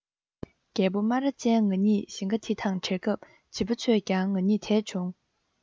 རྒད པོ སྨ ར ཅན ངེད གཉིས ཞིང ཁ འདི དང བྲལ སྐབས བྱིས པ ཚོས ཀྱང ང གཉིས དེད བྱུང